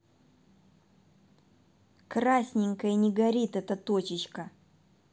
красненькая это не горит эта точечка